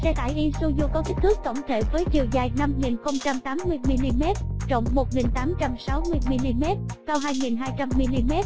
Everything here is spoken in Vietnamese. xe tải isuzu có kích thước tổng thể với chiều dài mm rộng mm cao mm